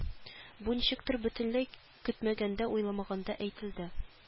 Бу ничектер бөтенләй көтмәгәндә уйламаганда әйтелде